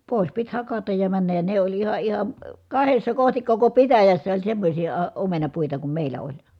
pois piti hakata ja mennä ja ne oli ihan ihan kahdessa kohti koko pitäjässä oli semmoisia - omenapuita kuin meillä oli